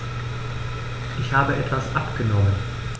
Ich habe etwas abgenommen.